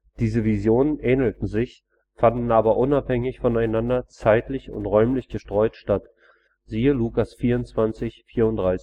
Diese Visionen ähnelten sich, fanden aber unabhängig voneinander, zeitlich und räumlich gestreut statt (Lk 24,34